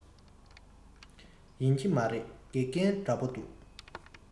ཡིན གྱི མ རེད དགེ རྒན འདྲ པོ འདུག